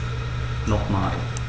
Nochmal.